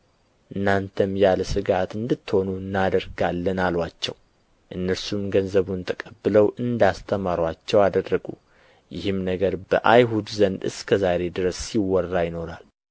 እናንተም ያለ ሥጋት እንድትሆኑ እናደርጋለን አሉአቸው እነርሱም ገንዘቡን ተቀብለው እንደ አስተማሩአቸው አደረጉ ይህም ነገር በአይሁድ ዘንድ እስከ ዛሬ ድረስ ሲወራ ይኖራል